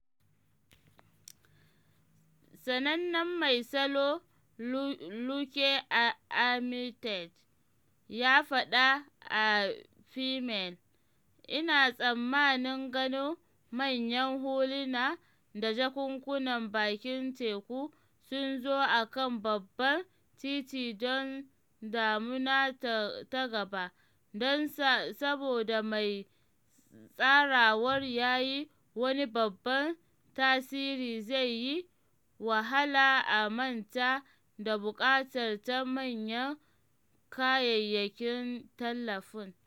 Sanannen mai salo Luke Armitage ya fada a FEMAIL: ‘Ina tsammanin ganin manyan huluna da jakakkunan bakin teku sun zo a kan babban titi don damuna ta gaba - don saboda mai tsarawar ya yi wani babban tasiri zai yi wahala a manta da buƙatar ta manyan kayayyakin tallafin.’